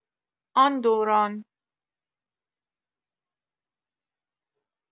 آن دوران